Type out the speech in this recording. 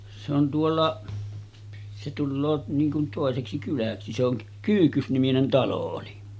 se on tuolla se tulee niin kuin toiseksi kyläksi se on Kyyhkys-niminen talo oli